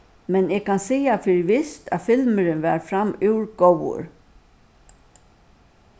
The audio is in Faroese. men eg kann siga fyri vist at filmurin var framúr góður